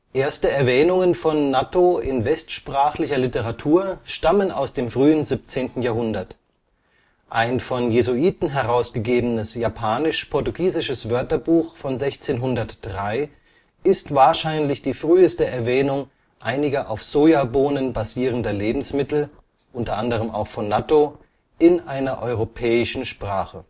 Erste Erwähnungen von Nattō in westsprachlicher Literatur stammen aus dem frühen 17. Jahrhundert. Das von Jesuiten herausgegebene japanisch-portugiesische Wörterbuch Vocabulario da lingoa de Iapam, com a declaraçáo em Portugues von 1603 ist wahrscheinlich die früheste Erwähnung einiger auf Sojabohnen basierender Lebensmittel – unter anderem auch von Nattō – in einer europäischen Sprache